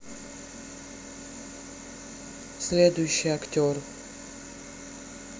следующий актер